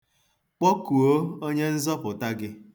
Kpọkuo onyenzọpụta gị.